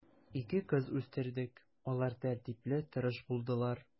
Ике кыз үстердек, алар тәртипле, тырыш булдылар.